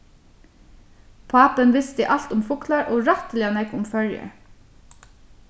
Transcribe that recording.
pápin visti alt um fuglar og rættiliga nógv um føroyar